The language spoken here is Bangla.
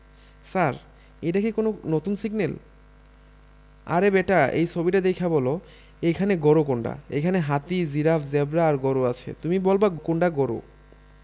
ছার এইডা কি কুনো নতুন সিগনেল আরে ব্যাটা এই ছবিডা দেইখা বলো এইখানে গরু কোনডা এইখানে হাতি জিরাফ জেব্রা আর গরু আছে তুমি বলবা কোনডা গরু